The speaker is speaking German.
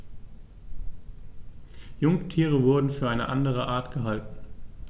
Jungtiere wurden für eine andere Art gehalten.